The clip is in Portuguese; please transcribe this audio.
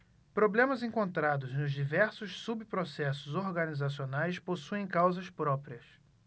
problemas encontrados nos diversos subprocessos organizacionais possuem causas próprias